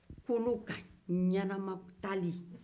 kolokan ɲɛnɛmatali